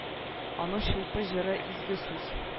Аның чулпы җыры изге сүз